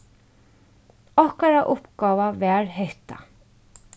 okkara uppgáva var hetta